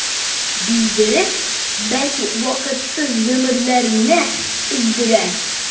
Биздереп, бәлки вакытсыз гомерләрне өздерә.